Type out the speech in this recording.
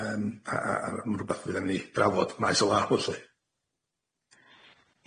Yym a a a ma' rwbath fydd yn myn' i drafod maes o lawr lly.